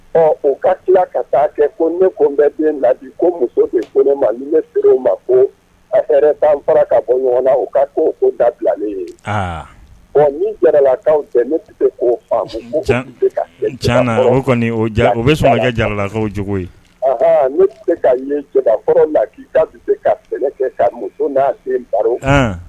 Ɔ u ka tila ka taa kɛ ko ne ko bɛ la ko muso bɛ ko ne ma se o ma ko a fara ka bɔ ɲɔgɔn na u ka ko dabilalen ye bon ni jaralakaw cɛ ne bɛ se ko faama kɔni u bɛ sɔrɔ kɛ jaralaso jugu ye aa ne bɛ se ka ɲɛ jakɔrɔ ma k'i ka se ka kɛ ka muso n sen baro